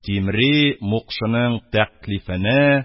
Тимри мукшының тәклифене